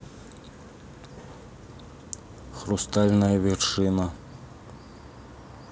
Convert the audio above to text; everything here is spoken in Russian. хрустальная вершина